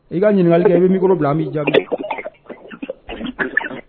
I ka ɲinikali kɛ i bɛ micro bila an b'i jamu